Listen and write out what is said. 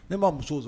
Ne baa muso sɔrɔ